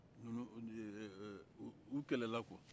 eee eee u kɛlɛla kuwa